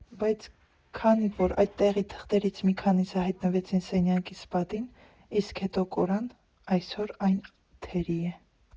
Բայց քանի որ այդտեղի թղթերից մի քանիսը հայտնվեցին սենյակիս պատին, իսկ հետո կորան, այսօր այն թերի է։